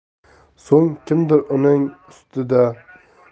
so'ng kimdir uning ustida